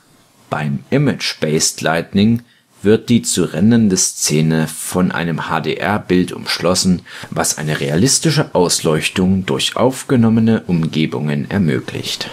Beim Image-based Lighting wird die zu rendernde Szene von einem HDR-Bild umschlossen, was eine realistische Ausleuchtung durch aufgenommene Umgebungen ermöglicht